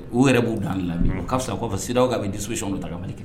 U yɛrɛ b'u o k'a fisa CEDEAO k'a fɔ ka bɛ disposition do ta ka Mali kɛlɛ